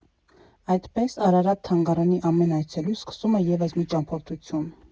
Այդպես, Արարատ թանգարանի ամեն այցելու սկսում է ևս մի ճամփորդություն։